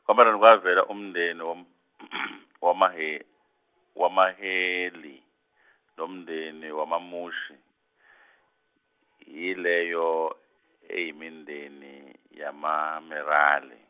kwavela umndeni wam- wamaHe- waMaheli, nomndeni wamaMushi, yileyo eyimindeni yamaMerari.